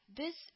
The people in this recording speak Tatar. Без